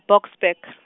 Boksburg.